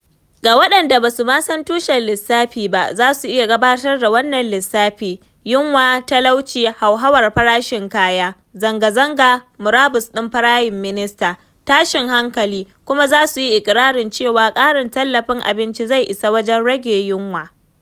Ga waɗanda ba su ma san tushen lissafi ba za su iya gabatar da wannan lissafi: yunwa + talauci + hauhawar farashin kaya = zanga-zanga + murabus ɗin Firayim Minista + tashin hankali, kuma za su yi iƙirarin cewa ƙarin tallafin abinci zai isa wajen rage yunwa.